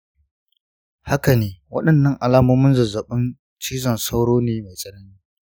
haka ne, waɗannan alamomin zazzabin cizon sauro ne mai tsanani.